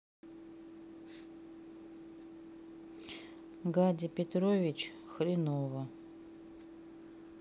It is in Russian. гадя петрович хренова